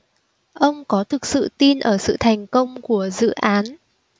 ông có thực sự tin ở sự thành công của dự án